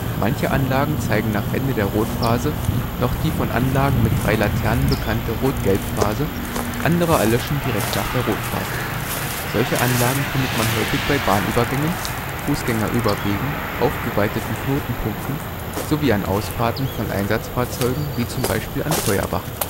Manche Anlagen zeigen nach Ende der Rotphase noch die von Anlagen mit drei Laternen bekannte Rot-Gelb-Phase, andere erlöschen direkt nach der Rotphase. Solche Anlagen findet man häufig bei Bahnübergängen, Fußgängerüberwegen, aufgeweiteten Knotenpunkten sowie an Ausfahrten von Einsatzfahrzeugen wie z. B. an Feuerwachen